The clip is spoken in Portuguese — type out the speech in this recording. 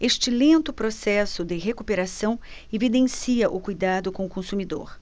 este lento processo de recuperação evidencia o cuidado com o consumidor